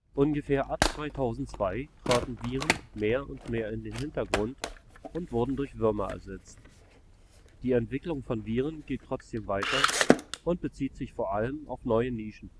Ungefähr ab 2002 traten Viren mehr und mehr in den Hintergrund und wurden durch Würmer ersetzt. Die Entwicklung von Viren geht trotzdem weiter und bezieht sich vor allem auf neue Nischen